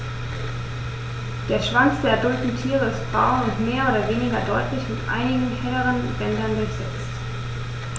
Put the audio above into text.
Der Schwanz der adulten Tiere ist braun und mehr oder weniger deutlich mit einigen helleren Bändern durchsetzt.